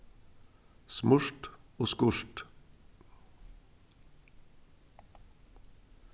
smurt og skýrt